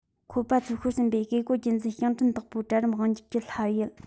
ཁོ པ ཚོའི ཤོར ཟིན པའི བཀས བཀོད རྒྱུད འཛིན ཞིང བྲན བདག པོའི གྲལ རིམ དབང སྒྱུར གྱི ལྷ ཡུལ